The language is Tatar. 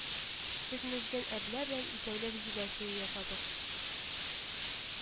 Без Мүҗгән әблә белән икәүләп җиләк туе ясадык